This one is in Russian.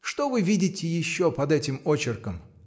Что вы видите еще под этим очерком?